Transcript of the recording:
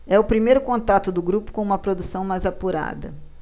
é o primeiro contato do grupo com uma produção mais apurada